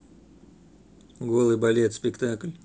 голый балет спектакль